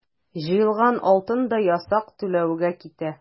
Җыелган алтын да ясак түләүгә китә.